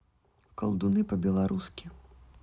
колдуны по белорусски